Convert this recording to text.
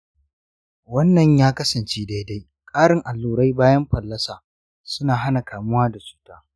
wannan ya kasance daidai; ƙarin allurai bayan fallasa suna hana kamuwa da cuta.